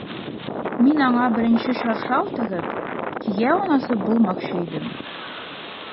Мин аңа беренче чаршау тегеп, кияү анасы булмакчы идем...